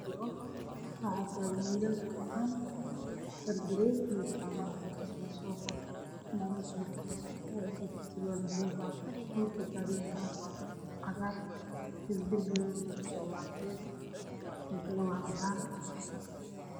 Meeshaan waa meel garoon ah waxaa joogo wiilal wato dhar garee iyo jaale ah oo shabaq ah, fanaanad shabaq ah, surwaal buluug ah, garoonka waa cagaar, darbiga waa cadaan.